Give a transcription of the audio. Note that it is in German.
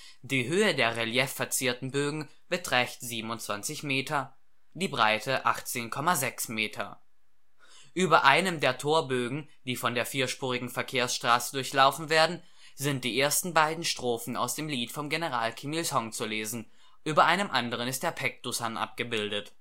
Die Höhe der reliefverzierten Bögen beträgt 27 Meter, die Breite 18,60 Meter. Über einem der Torbögen die von der vierspurigen Verkehrsstraße durchlaufen werden, sind die ersten beiden Strophen aus dem Lied vom General Kim Il-sung zu lesen. Über einem anderen ist der Paektusan abgebildet